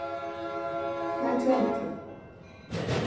nær kemur tú